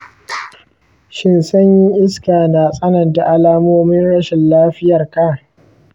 shin sanyin iska na tsananta alamomin rashin lafiyarka?